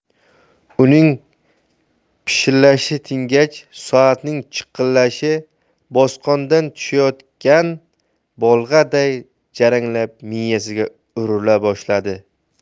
uning pishillashi tingach soatning chiqillashi bosqondan tushayotgan bolg'aday jaranglab miyasiga urila boshladi